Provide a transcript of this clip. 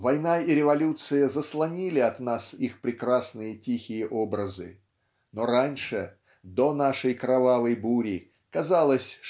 Война и революция заслонили от нас их прекрасные тихие образы. Но раньше до нашей кровавой бури казалось